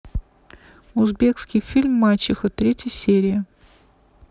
узбекский фильм мачеха третья серия